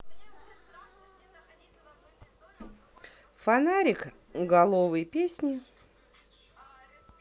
фонарик головый песни